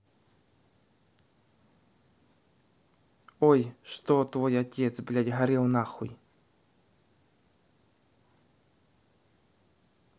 ой что твой отец блядь горел нахуй